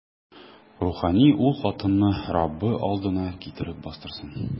Рухани ул хатынны Раббы алдына китереп бастырсын.